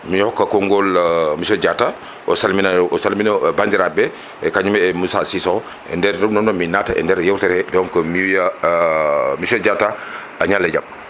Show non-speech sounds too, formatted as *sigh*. mi hokka kongol *hesitation* monsieur Diatta o salmina salmina bandiraɓeɓe kañum e Moussa Cissokho e nder ɗum ɗon noon min naata e nder yewtere he donc miwiya *hesitation* monsieur Diatta a ñalle jaam